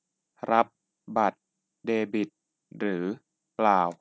รับบัตรเดบิตหรือเปล่า